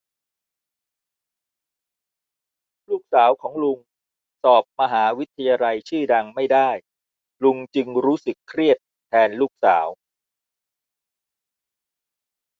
ลูกสาวของลุงสอบมหาวิทยาลัยชื่อดังไม่ได้ลุงจึงรู้สึกเครียดแทนลูกสาว